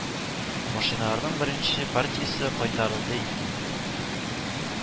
Машиналарның беренче партиясе кайтарылды инде